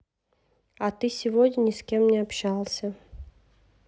а ты сегодня ни с кем не общался